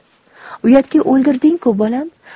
uyatga o'ldirding ku bolam